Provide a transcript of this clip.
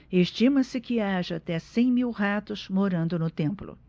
estima-se que haja até cem mil ratos morando no templo